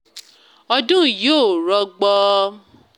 Ọdún yìí ò rọgbọ.